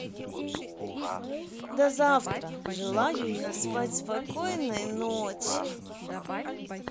до завтра желаю я спать спокойной ночи